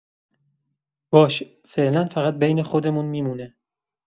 باشه، فعلا فقط بین خودمون می‌مونه.